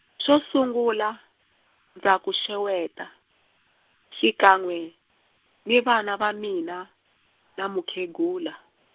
xo sungula, ndza ku xeweta, xikan'we, ni vana va mina, na mukhegula.